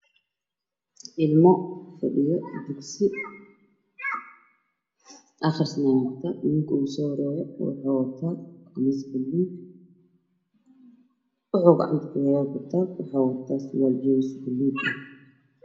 Ilmo fadhiyo dugsi akhrisna wata iyo boorso wxu gacdnta ku wata jasa